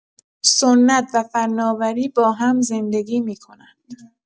سنت و فناوری با هم زندگی می‌کنند.